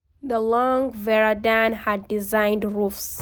The long verandah had designed roofs.